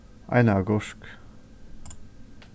eina agurk